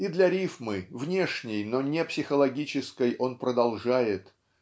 и для рифмы, внешней, но не психологической, он продолжает